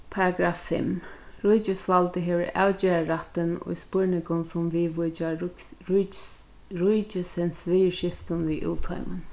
paragraf fimm ríkisvaldið hevur avgerðarrættin í spurningum sum viðvíkja ríkisins viðurskiftum við útheimin